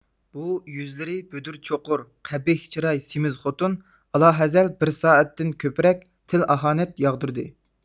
بۇ يۈزلىرى بۈدۈر چوقۇر قەبىھ چىراي سېمىز خوتۇن ئالاھازەل بىر سائەتتىن كۆپرەك تىل ئاھانەت ياغدۇردى